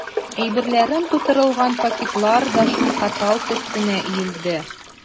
Әйберләрем тутырылган пакетлар да шул каталка өстенә өелде.